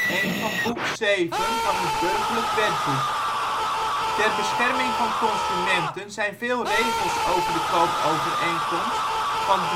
van Boek 7 van het Burgerlijk Wetboek. Ter bescherming van consumenten zijn veel regels over de koopovereenkomst van